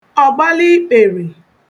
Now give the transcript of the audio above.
ọ̀gbalikpẹrẹ